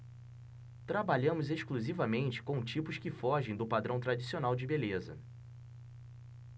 trabalhamos exclusivamente com tipos que fogem do padrão tradicional de beleza